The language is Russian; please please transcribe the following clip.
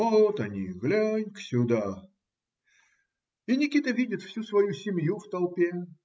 Вот они, глянь-ка сюда!" И Никита видит всю свою семью в толпе